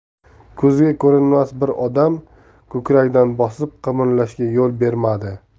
ko'zga ko'rinmas bir odam ko'kragidan bosib qimirlashga yo'l bermadi